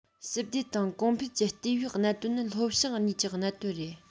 ཞི བདེ དང གོང འཕེལ གྱི ལྟེ བའི གནད དོན ནི ལྷོ བྱང གཉིས ཀྱི གནད དོན རེད